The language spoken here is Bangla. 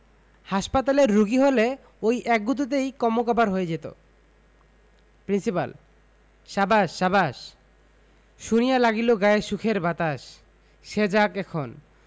হাসপাতালের রোগী হলে ঐ এক গুঁতোতেই কন্মকাবার হয়ে যেত প্রিন্সিপাল সাবাস সাবাস শুনিয়া লাগিল গায়ে সুখের বাতাস সে যাক এখন